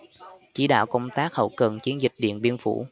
chỉ đạo công tác hậu cần chiến dịch điện biên phủ